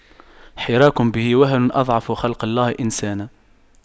حراك به وهن أضعف خلق الله إنسانا